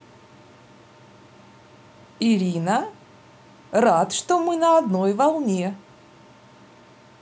ирина рад что мы на одной волне